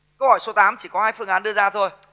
câu hỏi số tám chỉ có hai phương án đưa ra thôi